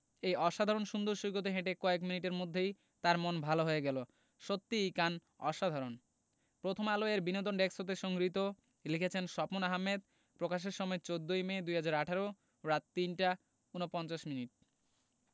এই অসাধারণ সুন্দর সৈকতে হেঁটে কয়েক মিনিটের মধ্যেই তার মন ভালো হয়ে গেল সত্যিই কান অসাধারণ প্রথমআলো এর বিনোদন ডেস্ক হতে সংগৃহীত লিখেছেনঃ স্বপন আহমেদ প্রকাশের সময় ১৪ ই মে ২০১৮ রাত ৩টা ৪৯ মিনিট